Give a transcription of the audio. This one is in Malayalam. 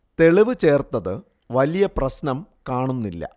തെളിവ് ചേർത്തത് വലിയ പ്രശ്നം കാണുന്നില്ല